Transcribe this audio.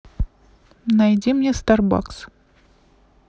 найди мне старбакс